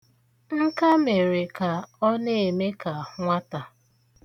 Nka mere ka ọ na-eme ka nwata.